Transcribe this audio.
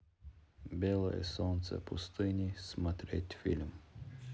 белое солнце пустыни смотреть фильм